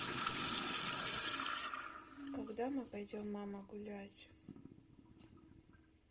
когда мы пойдем мама гулять